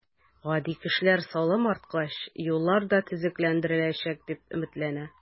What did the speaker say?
Гади кешеләр салым арткач, юллар да төзекләндереләчәк, дип өметләнә.